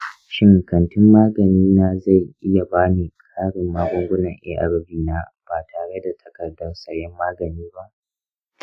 shin kantin maganina zai iya ba ni ƙarin magungunan arv na ba tare da takardar sayen magani ba?